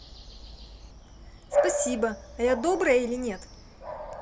спасибо а я добрая или нет